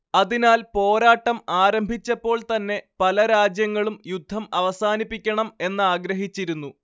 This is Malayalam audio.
അതിനാൽ പോരാട്ടം ആരംഭിച്ചപ്പോൾ തന്നെ പല രാജ്യങ്ങളും യുദ്ധം അവസാനിപ്പിക്കണം എന്നാഗ്രഹിച്ചിരുന്നു